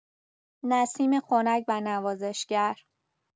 نسیم خنک و نوازشگر